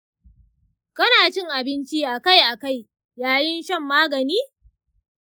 kana cin abinci akai-akai yayin shan magani?